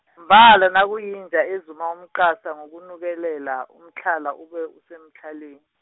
mbala nakuyinja ezuma umqasa ngokunukelela, umtlhala ube usemtlhalen-.